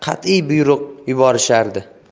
qatiy buyruq yuborishardi